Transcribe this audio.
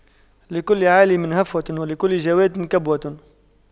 لكل عالِمٍ هفوة ولكل جَوَادٍ كبوة